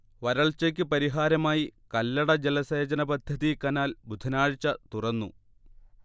വരൾച്ചയ്ക്ക് പരിഹാരമായി കല്ലട ജലസേചനപദ്ധതി കനാൽ ബുധനാഴ്ച തുറന്നു